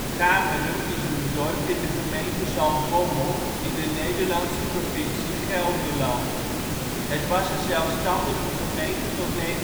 Gameren is een dorp in de gemeente Zaltbommel in de Nederlandse provincie Gelderland. Het was een zelfstandige gemeente tot 1955